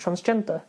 transgender.